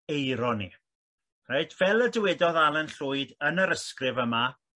eironi reit fel y dywedodd Alan Llwyd yn yr ysgrif yma